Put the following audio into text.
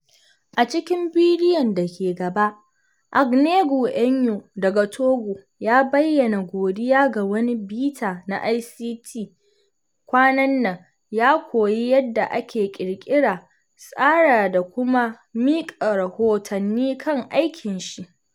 A cikin bidiyon da ke gaba, Agnegue Enyo daga Togo ya bayyana godiya ga wani bita na ICT kwanan nan, ya koyi yadda ake ƙirƙira, tsara da kuma miƙa rahotanni kan aikin shi.